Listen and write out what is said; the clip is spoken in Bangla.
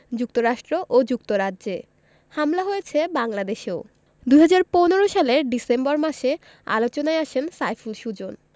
যুক্তরাষ্ট্র ও যুক্তরাজ্যে হামলা হয়েছে বাংলাদেশেও ২০১৫ সালের ডিসেম্বর মাসে আলোচনায় আসেন সাইফুল সুজন